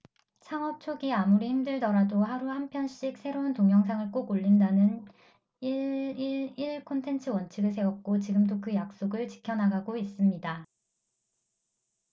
창업 초기 아무리 힘들더라도 하루 한 편씩 새로운 동영상을 꼭 올린다는 일 일 일 콘텐트 원칙을 세웠고 지금도 그 약속을 지켜나가고 있습니다